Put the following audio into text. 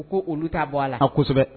U ko olu t'a bɔ a la a kosɛbɛ